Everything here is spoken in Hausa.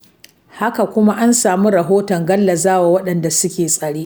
Haka kuma, an samu rahoton gallazawa waɗanda suke tsare.